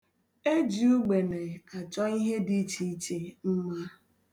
E ji ugbene achọ ihe dị iche iche mma.